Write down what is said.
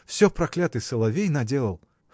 — Всё проклятый соловей наделал.